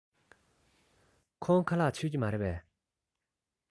ཁོང ཁ ལག མཆོད ཀྱི མ རེད པས